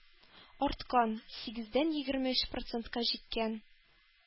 Арткан: сигездән егерме өч процентка җиткән.